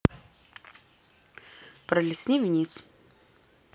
пролистни вниз